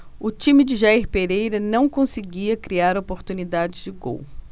o time de jair pereira não conseguia criar oportunidades de gol